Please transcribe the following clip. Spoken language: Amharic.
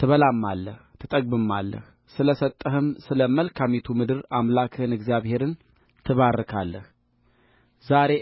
ትበላማለህ ትጠግብማለህ ስለሰጠህም ስለመልካሚቱ ምድር አምላክህን እግዚአብሔርን ትባርካለህዛሬ